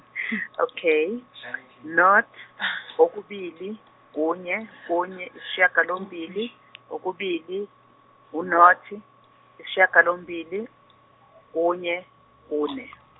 okay nought, okubili, kunye kune yisishagalombiili, okubili, u- nought, yisishagalombili, kunye, kune.